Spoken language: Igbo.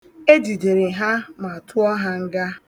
E jidere ha ma tụọ ha nga.